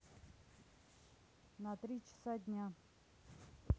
на три часа дня